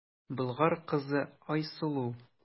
Болгар кызы Айсылу.